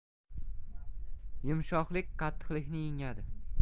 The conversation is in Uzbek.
yumshoqlik qattiqlikni yengadi